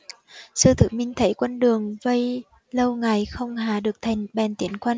sử tư minh thấy quân đường vây lâu ngày không hạ được thành bèn tiến quân